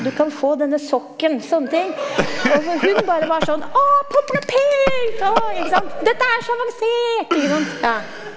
du kan få denne sokken, sånne ting, og for hun bare var sånn å Pompel og Pilt å ikke sant dette er så avansert ikke sant ja.